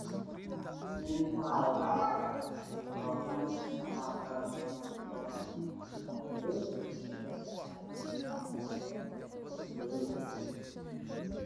Meeshan waxaa taagan nin wata makaroofan madow ah shati madow qabo dad ay wacdiyaan